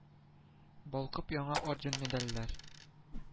Балкып яна орден, медальләр